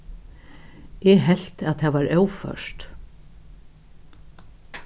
eg helt at tað var óført